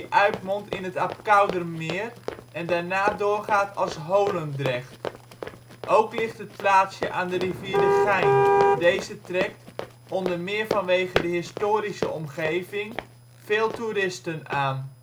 uitmondt in het Abcoudermeer en daarna doorgaat als Holendrecht. Ook ligt het plaatsje aan de rivier de Gein; deze trekt, onder meer vanwege de historische omgeving, veel toeristen aan